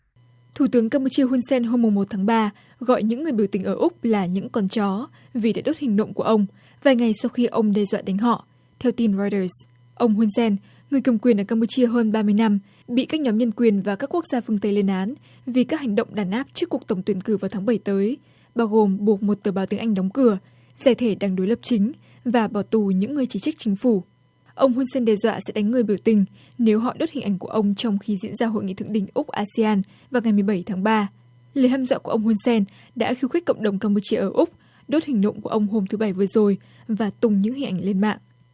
thủ tướng cam bu chia hun sen hôm mùng một tháng ba gọi những người biểu tình ở úc là những con chó vì đã đốt hình nộm của ông vài ngày sau khi ông đe dọa đánh họ theo tin roi đời ông hun sen người cầm quyền ở cam bu chia hơn ba mươi năm bị các nhóm nhân quyền và các quốc gia phương tây lên án vì các hành động đàn áp trước cuộc tổng tuyển cử vào tháng bảy tới bao gồm buộc một tờ báo tiếng anh đóng cửa giải thể đảng đối lập chính và bỏ tù những người chỉ trích chính phủ ông hun sen đe dọa sẽ đánh người biểu tình nếu họ đốt hình ảnh của ông trong khi diễn ra hội nghị thượng đỉnh úc a sê an vào ngày mười bảy tháng ba lời hăm dọa của ông hun sen đã khiêu khích cộng đồng cam bu chia ở úc đốt hình nộm của ông hôm thứ bảy vừa rồi và tung những hình ảnh lên mạng